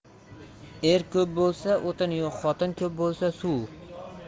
er ko'p bo'lsa o'tin yo'q xotin ko'p bo'lsa suv